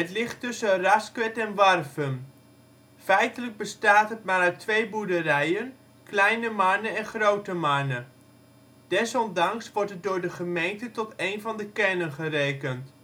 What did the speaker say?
ligt tussen Rasquert en Warffum. Feitelijk bestaat het maar uit twee boerderijen: Kleine Marne en Grote Marne. Desondanks wordt het door de gemeente tot een van de kernen gerekend